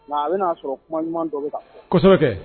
Nka a bɛna'a sɔrɔ kuma ɲuman dɔ bɛ kan kosɛbɛkɛ